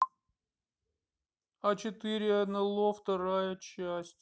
а четыре нло вторая часть